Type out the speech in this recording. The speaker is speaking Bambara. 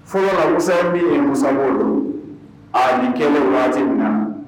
Fɔlɔ mu in bɛ ye musa don a ni kɛnɛ waati wagati min na